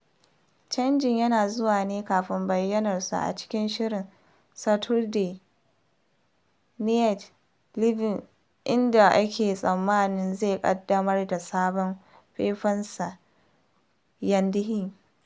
Canjin yana zuwa ne kafin bayyanarsa a cikin shirin Saturday Night Live, inda ake tsammanin zai ƙaddamar da sabon faifansa Yandhi.